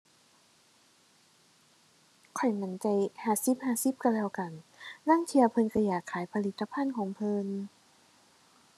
ข้อยมั่นใจห้าสิบห้าสิบก็แล้วกัน ลางเที่ยเพิ่นก็อยากขายผลิตภัณฑ์ของเพิ่น